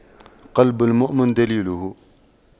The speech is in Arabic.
قلب المؤمن دليله